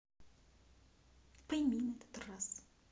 пойми на этот раз